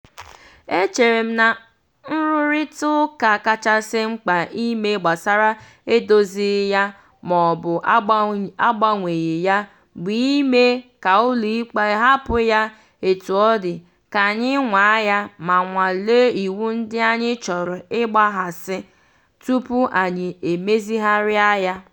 E chere m na nrụrịtaụka kachasị mkpa ime gbasara edozighị ya maọbụ agbanweghị ya bụ ị mee ka ụlọikpe hapụ ya etu ọ dị, ka anyị nwa ya ma nnwale iwu ndị anyị chọrọ ịgbaghasị, tupu anyị emezigharị ya.